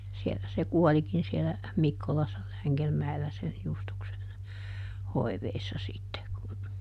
siellä se kuolikin siellä Mikkolassa Längelmäellä sen Justuksen hoivissa sitten kun